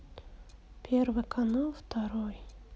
первый канал второй